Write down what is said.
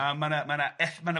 A ma' na ma' na eth- ma' na